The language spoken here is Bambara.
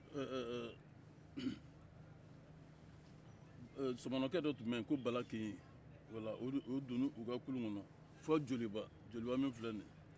ɛɛ sɔmɔnɔkɛ dɔ tun bɛ yen ko bala keɲe voila u donna o ka kulu de kɔnɔ fɔ joliba joliba min filɛ nin ye